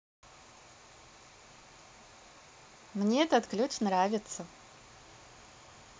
мне этот ключ нравится